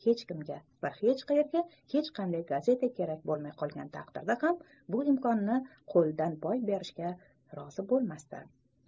hech kimga va hech qayerga hech qanday gazeta kerak bo'lmay qolgan taqdirda ham bu imkonni qo'ldan boy berishga rozi bo'lmas edi